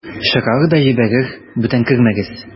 Чыгарыр да җибәрер: "Бүтән кермәгез!"